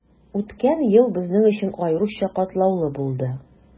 Үткән ел безнең өчен аеруча катлаулы булды.